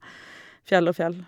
Fjell og fjell.